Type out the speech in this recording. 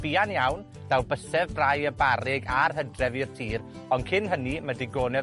buan iawn, daw byse brau y barug, a'r Hydref i'r tir, ond cyn hynny, ma' digonedd